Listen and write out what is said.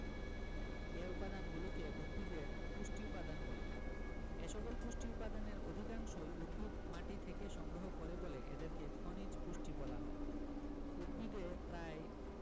এ উপাদানগুলোকে উদ্ভিদের পুষ্টি উপাদান বলে এসকল পুষ্টি উপাদানের অধিকাংশই উদ্ভিদ মাটি থেকে সংগ্রহ করে বলে এদেরকে খনিজ পুষ্টি বলা হয় উদ্ভিদে প্রায়